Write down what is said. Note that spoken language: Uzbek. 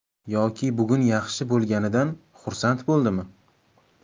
yoki bugun yaxshi ishlaganidan xursand bo'ldimi